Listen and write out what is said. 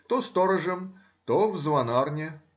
то сторожем, то в звонарне.